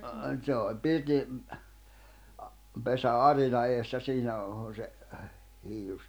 se oli pirtin - pesän arinan edessä siinä - on se hiilus